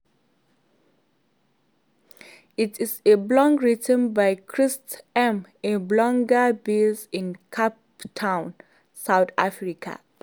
It is a blog written by Chris M, a blogger based in Cape Town, South Africa.